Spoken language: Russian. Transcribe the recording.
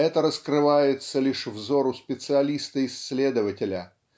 -- это раскрывается лишь взору специалиста-исследователя